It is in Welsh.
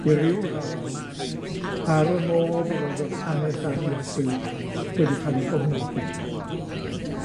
i ryw raddau ar y modd y roedd yr hanes am Iesu wedi ca'l 'i gofnodi.